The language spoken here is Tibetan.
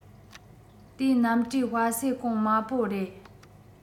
དེའི གནམ གྲུའི སྤ སེ གོང དམའ པོ རེད